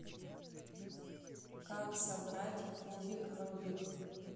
как собрать кубик рубик